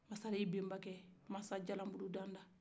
masarenw benbakɛ masajalamurudanda